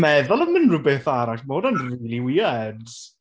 meddwl am unrhyw beth arall, mae hwn yn rili weird.